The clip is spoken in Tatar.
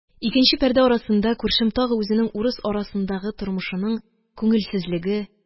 Икенче пәрдә арасында күршем тагы үзенең урыс арасындагы тормышының күңелсезлеге